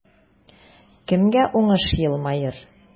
Кемгә уңыш елмаер?